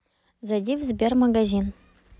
зайди в сбер магазин